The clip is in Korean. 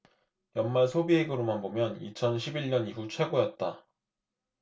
연말 소비액으로만 보면 이천 십 일 년 이후 최고였다